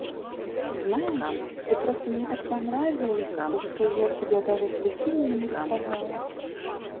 знаешь ты просто мне так понравилось то что я тебя даже слепила и нарисовала